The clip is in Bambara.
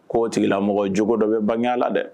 Ko tigila mɔgɔ cogo dɔ bɛ banya la dɛ